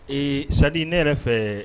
Ee sadi ne yɛrɛ fɛ